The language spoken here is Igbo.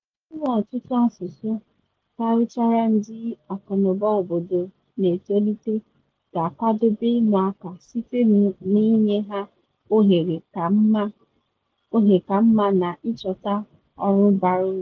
Ịnwe ọtụtụ asụsụ, karịchara ndị akụnụba obodo na etolite, ga-akwadobe ụmụaka site na ịnye ha ohere ka mma na ịchọta ọrụ bara uru.